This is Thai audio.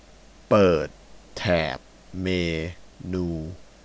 เปิดแถบเมนู